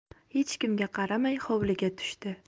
hech kimga qaramay hovliga tushd